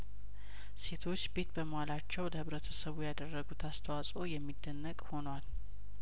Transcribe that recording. ሴቶች ቤት በመዋላቸው ለህብረተሰቡ ያደረጉት አስተዋጽኦ የሚደነቅ ሆኗል